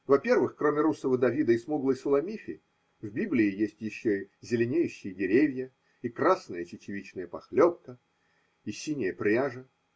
Во-первых, кроме русого Давида и смуглой Суламифи, в Библии есть еще и зеленеющие деревья, и красная чечевичная похлебка, и синяя пряжа.